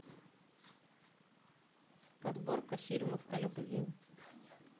подборка фильмов о любви